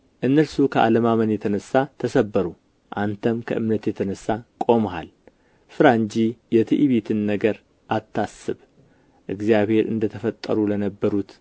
እነርሱ ከአለማመን የተነሣ ተሰበሩ አንተም ከእምነት የተነሣ ቆመሃል ፍራ እንጂ የትዕቢትን ነገር አታስብ እግዚአብሔር እንደ ተፈጠሩት ለነበሩት